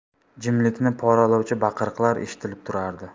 jimlikni poralovchi baqiriqlar eshitilib turardi